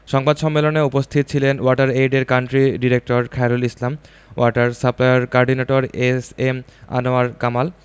সংবাদ সম্মেলনে উপস্থিত ছিলেন ওয়াটার এইডের country director Khairul Islam water সাপ্লাইর coordinator S M Anwar Kamal